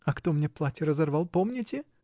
— А кто мне платье разорвал, помните?.